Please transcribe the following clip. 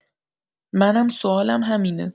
منم سوالم همینه